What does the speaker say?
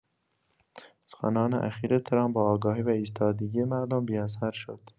سخنان اخیر ترامپ با آگاهی و ایستادگی مردم بی‌اثر شد.